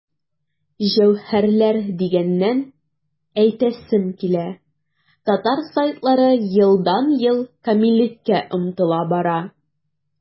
Җәүһәрләр дигәннән, әйтәсем килә, татар сайтлары елдан-ел камиллеккә омтыла бара.